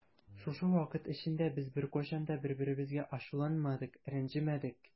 Шушы вакыт эчендә без беркайчан да бер-беребезгә ачуланмадык, рәнҗемәдек.